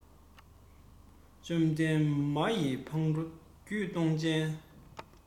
བཅོམ ལྡན མ ཡི ཕང འགྲོ རྒྱུད སྟོང ཅན